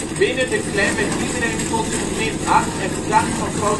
Binnen de Klan werd iedereen plots geminacht en verdacht als potentieel